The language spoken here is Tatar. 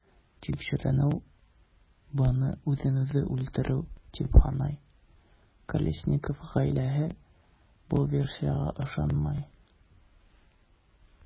Тикшеренү моны үзен-үзе үтерү дип саный, Колесников гаиләсе бу версиягә ышанмый.